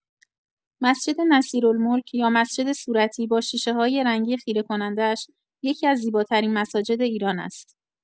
مسجد نصیرالملک یا مسجد صورتی با شیشه‌های رنگی خیره‌کننده‌اش، یکی‌از زیباترین مساجد ایران است.